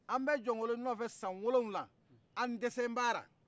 an bɛ jɔnkoloni nɔfɛ san wolofila an dɛsɛ b'ala